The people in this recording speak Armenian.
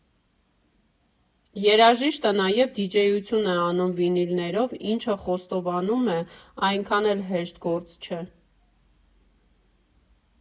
Երաժիշտը նաև դիջեյություն է անում վինիլներով, ինչը, խոստովանում է, այնքան էլ հեշտ գործ չէ։